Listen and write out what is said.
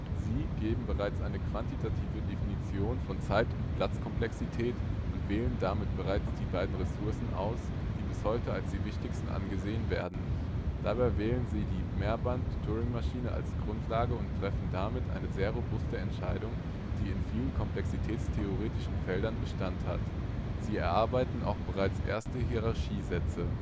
Sie geben bereits eine quantitative Definition von Zeit - und Platzkomplexität und wählen damit bereits die beiden Ressourcen aus, die bis heute als die wichtigsten angesehen werden. Dabei wählen sie die Mehrband-Turingmaschine als Grundlage und treffen damit eine sehr robuste Entscheidung, die in vielen komplexitätstheoretischen Feldern Bestand hat. Sie erarbeiten auch bereits erste Hierarchiesätze